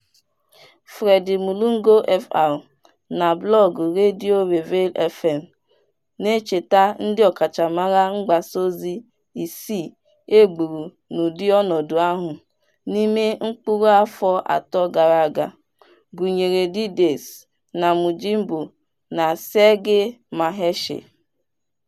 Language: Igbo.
Freddy Mulongo [Fr] na blọọgụ Radio Revéil FM, na-echeta ndị ọkachamara mgbasaozi isii e gburu n'ụdị ọnọdụ ahụ n'ime mkpụrụ afọ atọ gara aga, gụnyere Didace Namujimbo na Serge Maheshe.